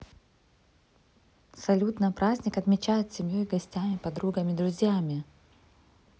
салют на праздник отмечают с семьей гостями подругами друзьями